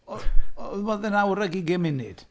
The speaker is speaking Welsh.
O- oedd e'n awr ac ugain munud.